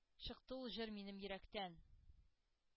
Чыкты ул җыр минем йөрәктән.